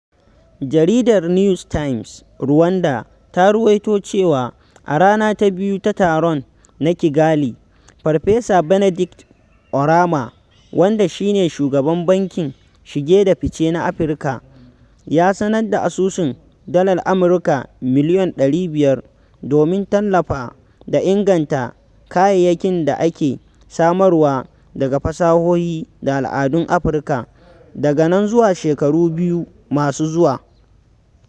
Jaridar News Times Rwanda ta rawaito cewa, a rana ta biyu ta taron na Kigali, Farfesa Benedict Oramah, wanda shi ne Shugaban Bankin Shige da Fice na Afirka, ya sanar da asusun Dalar Amurka miliyon 500 ''domin tallafa da inganta kayayyakin da ake samarwa daga fasahohi da al'adun Afirka, daga nan zuwa shekaru biyu masu zuwa.